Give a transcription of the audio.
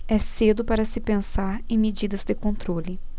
é cedo para se pensar em medidas de controle